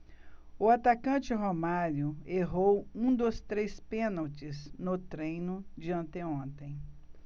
o atacante romário errou um dos três pênaltis no treino de anteontem